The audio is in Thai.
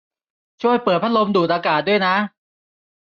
ช่วยเปิดพัดลมดูดอากาศด้วยนะ